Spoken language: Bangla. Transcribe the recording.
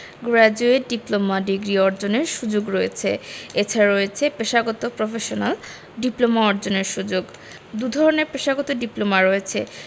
গ্রাজুয়েট ডিপ্লোমা ডিগ্রি অর্জনের সুযোগ রয়েছে এছাড়া রয়েছে পেশাগত প্রফেশনাল ডিপ্লোমা অর্জনের সুযোগ দুধরনের পেশাগত ডিপ্লোমা রয়েছে